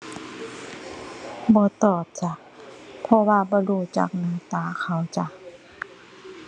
บ่ตอบจ้ะ เพราะว่าบ่รู้จักหน้าตาเขาจ้ะ